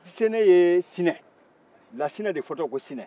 sɛnɛ ye sinɛ lansinɛ de fɔ to ye ko sinɛ